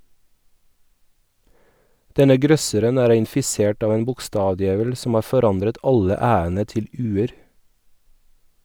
Denne grøsseren er infisert av en bokstavdjevel som har forandret alle "æ"-ene til "u"-er.